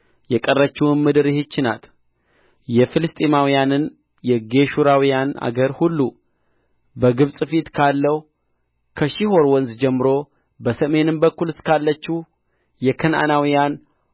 የቀረችውም ምድር ይህች ናት የፍልስጥኤማውያንና የጌሹራውያን አገር ሁሉ በግብፅ ፊት ካለው ከሺሖር ወንዝ ጀምሮ በሰሜን በኩል እስካለችው የከነዓናውያን